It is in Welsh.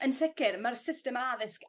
Yn sicir ma'r system addysg